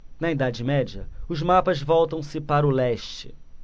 na idade média os mapas voltam-se para o leste